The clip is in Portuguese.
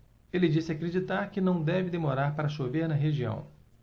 ele disse acreditar que não deve demorar para chover na região